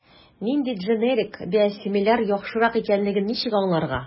Нинди дженерик/биосимиляр яхшырак икәнлеген ничек аңларга?